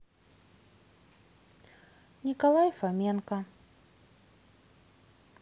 николай фоменко